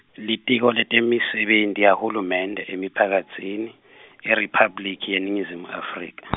Litiko leTemisebenti yahulumende eMiphakatsini, IRiphabliki yeNingizimu Afrika .